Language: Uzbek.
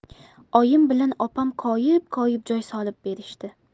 oyim bilan opam koyib koyib joy solib berishdi